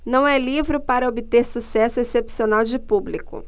não é livro para obter sucesso excepcional de público